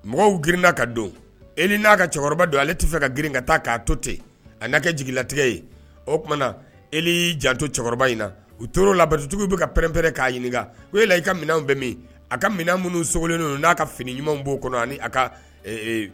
Mɔgɔw grinna ka don e n'a ka cɛkɔrɔba don ale tɛ bɛ se ka grin ka taa k'a to ten a n'a kɛ jigin latigɛ ye o tumaumana e y'i janto cɛkɔrɔba in na u tora la purujuguw bɛ ka pɛrɛnpɛrɛn k'a ɲininka o e la i ka minɛnw bɛ min a ka minɛn minnuu sogolen n'a ka fini ɲumanw b'o kɔnɔ ani a ka